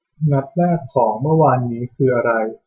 นัดแรกของเมื่อวานนี้คืออะไร